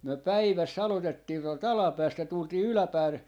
me päivässä aloitettiin tuolta alapäästä tultiin yläpäälle